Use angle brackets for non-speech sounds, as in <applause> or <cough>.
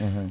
<hesitation> <hesitation>